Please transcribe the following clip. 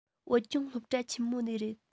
བོད ལྗོངས སློབ གྲྭ ཆེན མོ ནས རེད